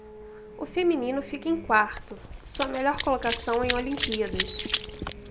o feminino fica em quarto sua melhor colocação em olimpíadas